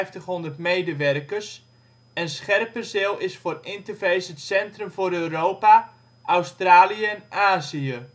telt 5500 medewerkers en Scherpenzeel is voor Interface het centrum voor Europa, Australië en Azië